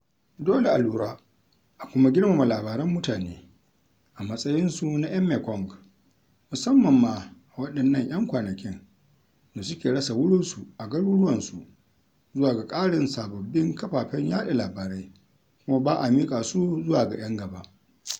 Dole a lura a kuma girmama labaran mutane, a matsayinsu na 'yan Mekong, musamman ma a waɗannan 'yan kwanakin da suke rasa wurinsu a garuruwansu zuwa ga ƙarin sababbin kafafen yaɗa labarai, kuma ba a miƙa su zuwa ga 'yan gaba.